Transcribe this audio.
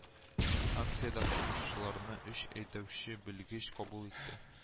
Акциядә катнашучыларны өч әйдәүче белгеч кабул итте